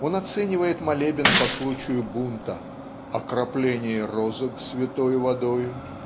он оценивает молебен по случаю бунта, "окропление розог святой водою"